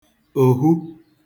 òhu